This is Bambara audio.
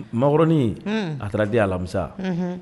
Macaroni a taara di alamisa.